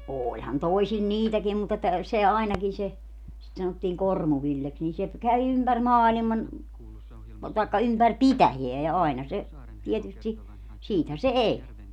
olihan toisilla niitäkin mutta että se ainakin se sitä sanottiin Kormu-Villeksi niin se kävi ympäri maailman tai ympäri pitäjää ja aina se tietysti siitähän se eli